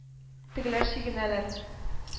Тегеләр чигенәләр